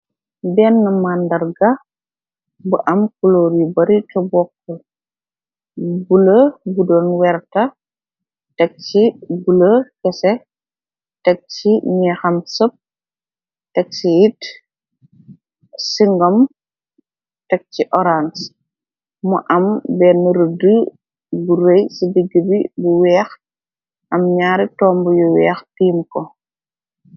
Denn màndarga bu am kuloor yu bari te bokk bule bu doon werta tek ci bulë kese tek ci ni xam sëp teg ci it singom tek ci orang mu am benn rud bu rëy ci digg bi bu weex am ñaari tomb yu weex tiim ko.